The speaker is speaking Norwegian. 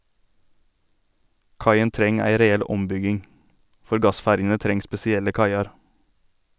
Kaien treng ei reell ombygging, for gassferjene treng spesielle kaiar.